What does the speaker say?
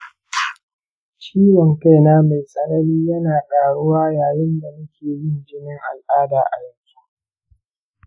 ciwon kaina mai tsanani yana ƙaruwa yayin da nake yin jinin al'ada a yanzu.